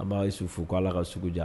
An bɛ Ayise fo k'Ala ka sugu ja.